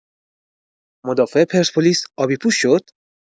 مدافع پرسپولیس آبی پوش شد؟